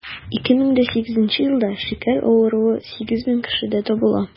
2008 елда шикәр авыруы 8 мең кешедә табыла.